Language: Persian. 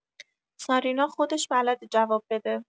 سارینا خودش بلده جواب بده